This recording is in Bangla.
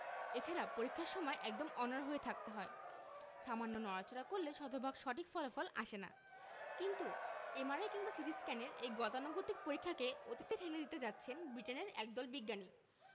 এছাড়া পরীক্ষার সময় একদম অনড় হয়ে থাকতে হয় সামান্য নড়াচড়া করলে শতভাগ সঠিক ফলাফল আসে না কিন্তু এমআরআই কিংবা সিটিস্ক্যানের এই গতানুগতিক পরীক্ষাকে অতীতে ফেলে দিতে যাচ্ছেন ব্রিটেনের একদল বিজ্ঞানী